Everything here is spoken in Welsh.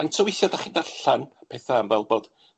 Faint o weithia' 'dach chi'n darllan petha fel bod